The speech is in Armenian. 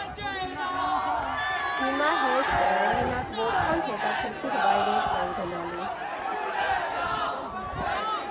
Հիմա հեշտ է, օրինակ, որքա՜ն հետաքրքիր վայրեր կան գնալու։